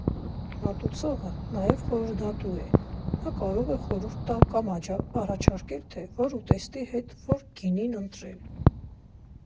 Մատուցողը նաև խորհրդատու է, նա կարող է խորհուրդ տալ կամ առաջարկել, թե որ ուտեստի հետ որ գինին ընտրել։